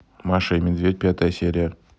маша и медведь пятая серия